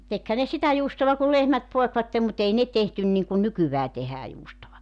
tekihän ne sitä juustoa kun lehmät poikivat mutta ei ne tehty niin kuin nykyään tehdään juustoa